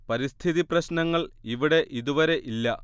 പരിസ്ഥിതി പ്രശ്നങ്ങൾ ഇവിടെ ഇതുവരെ ഇല്ല